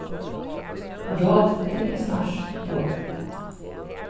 rotið er snart brotið